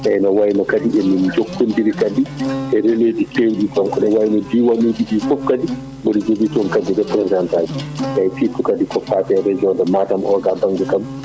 eyyo no wayno kadi emin jokkodiri kadi e relais jo kewɗi donc ine wayno diwanuji ɗi fof kadi mboɗo jogui toon kadi représentant eyyi surtout kadi ko fate région de Matam oga baŋnge kadi